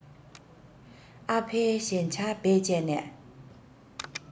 ཨ ཕའི གཞན ཆ བེད སྤྱད ནས